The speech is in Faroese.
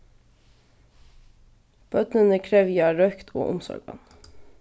børnini krevja røkt og umsorgan